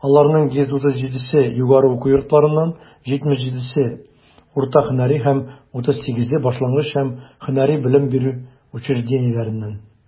Аларның 137 се - югары уку йортларыннан, 77 - урта һөнәри һәм 38 башлангыч һөнәри белем бирү учреждениеләреннән.